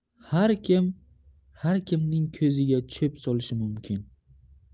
har kim har kimning ko'ziga cho'p solishi mumkin